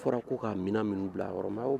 N fɔra ko' ka minnu bila yɔrɔ